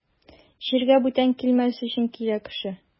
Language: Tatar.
Җиргә бүтән килмәс өчен килә кеше.